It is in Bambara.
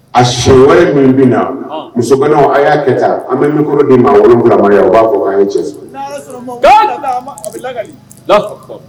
A sɔn ye min bɛ na muso a y'a kɛ taa an bɛ minkoro ni maa woloma u b'a fɔ an cɛ